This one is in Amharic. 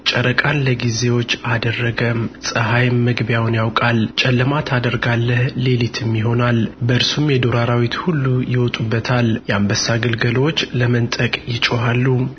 ጨረቃን ለጊዜዎች አደረገ ፀሐይም መግቢያውን ያውቃል ጨለማ ታደርጋለህ ሌሊትም ይሆናል በእርሱም የዱር አራዊት ሁሉ ይወጡበታል የአንበሳ ግልገሎች ለመንጠቅ ይጮኻሉ